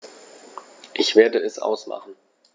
Ich werde es ausmachen